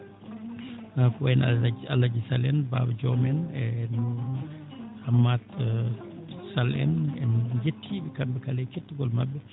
haa ko wayi no Alhaji Alhaji Sall en Baba Diome en e no Hammat Sall en en njettii ɓe kamɓe kala e kettagol maɓɓe